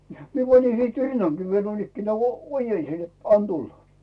minä panin sitten rinnankin vielä noinikään ojensin että anna tulla